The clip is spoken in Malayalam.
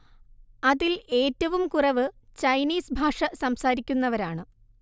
അതിൽ ഏറ്റവും കുറവ് ചൈനീസ് ഭാഷ സംസാരിക്കുന്നവരാണ്